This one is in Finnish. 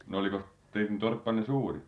no olikos teidän torppanne suuri